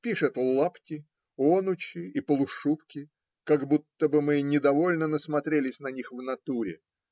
пишет лапти, онучи и полушубки, как будто бы мы не довольно насмотрелись на них в натуре.